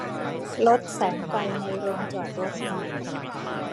ลดแสงไฟในโรงจอดรถหน่อย